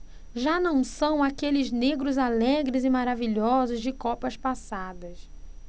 já não são aqueles negros alegres e maravilhosos de copas passadas